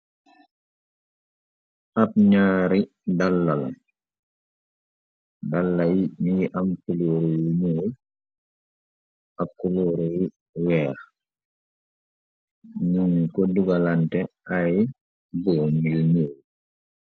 ab ñaari dallala dallay ñiyi am kuluuru yu ñuuy ak kuluuru yi weex ñum ko dugalante ay boom yu ñooy.